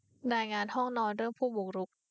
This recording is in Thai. รายงานห้องนอนเรื่องผู้บุกรุก